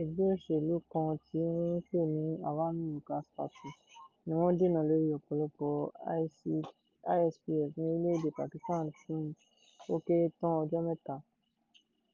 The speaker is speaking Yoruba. egbé òṣèlú kan tí wọn ń pè ní Awami Workers Party ní wọ́n dènà lórí ọ̀pọ̀lọpọ̀ ISPS ní orílẹ̀ èdè Pakistan fún ó kéré tán ọjọ́ mẹ́ta.